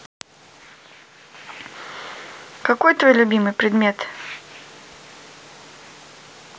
какой твой любимый предмет